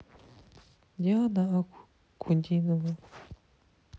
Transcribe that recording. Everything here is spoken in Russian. диана акудинова